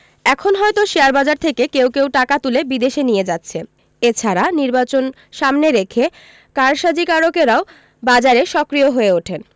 এখন হয়তো শেয়ারবাজার থেকে কেউ কেউ টাকা তুলে বিদেশে নিয়ে যাচ্ছে এ ছাড়া নির্বাচন সামনে রেখে কারসাজিকারকেরাও বাজারে সক্রিয় হয়ে ওঠেন